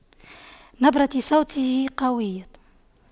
نبرة صوته قوية